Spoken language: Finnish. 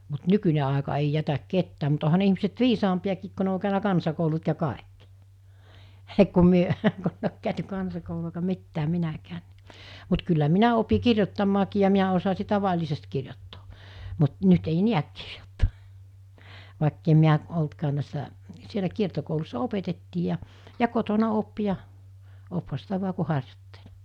mutta nykyinen aika ei jätä ketään mutta onhan ne ihmiset viisaampiakin kun ne on käynyt kansakoulut ja kaikki heh kun me kun ei ole käyty kansakoulua eikä mitään minäkään niin mutta kyllä minä opin kirjoittamaankin ja minä osasin tavallisesti kirjoittaa mutta nyt ei näe kirjoittaa vaikka en minä ollutkaan näissä siellä kiertokoulussa opetettiin ja ja kotona oppi ja oppihan sitä vain kun harjoitteli